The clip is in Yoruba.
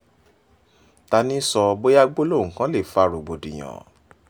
Ta ní í sọ bóyá gbólóhùn kan lè fa rògbòdìyàn?